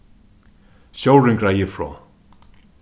stjórin greiðir frá